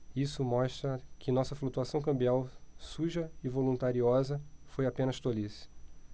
isso mostra que nossa flutuação cambial suja e voluntariosa foi apenas tolice